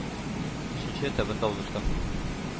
Өченче этабында узышты.